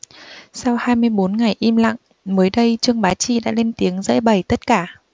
sau hai mươi bốn ngày im lặng mới đây trương bá chi đã lên tiếng giãi bày tất cả